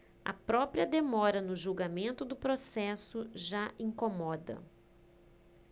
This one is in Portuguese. a própria demora no julgamento do processo já incomoda